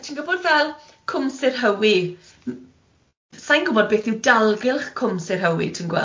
Ie, a ti'n gwybod fel Cwm Sir Hywi, sa i'n gwybod beth yw dalgylch Cwm Sir Hywi ti'n gweld?